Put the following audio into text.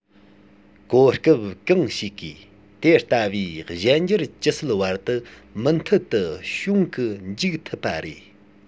གོ སྐབས གང ཞིག གིས དེ ལྟ བུའི གཞན འགྱུར ཇི སྲིད བར དུ མུ མཐུད དུ བྱུང གི འཇུག ཐུབ པ རེད